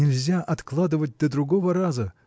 Нельзя откладывать до другого раза.